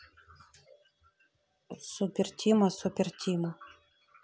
супер тима супер тима